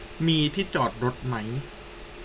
มีที่จอดรถไหม